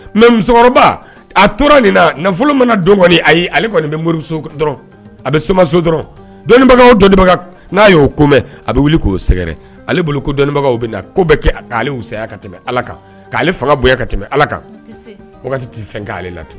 Mɛ musokɔrɔba a tora nin na nafolo mana dɔn a ayi ale bɛ moriso a bɛ somaso dɔrɔn dɔnnibaga dɔnnibaga n'a y' o kobɛn a bɛ wuli k'o sɛgɛrɛ ale bolo ko dɔnnibaga bɛ ko kɛ sayaya ka tɛmɛ ala kan'ale fanga bonya ka tɛmɛ ala kan tɛ fɛn'ale la ten